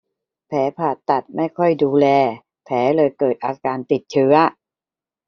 แผลผ่าตัดไม่ค่อยดูแลแผลเลยเกิดอาการติดเชื้อ